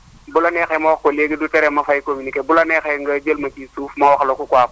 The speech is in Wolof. bu la neexee ma wax ko léegi du tere ma fay communiqué bu la neexee nga jël ma si suuf ma wax la ko quoi